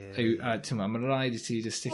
Ie. Yw a t'mo ma'n raid i ti jyst...